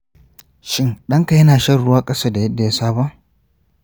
shin ɗanka yana shan ruwa ƙasa da yadda ya saba?